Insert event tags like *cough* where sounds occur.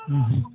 *hesitation* *hesitation*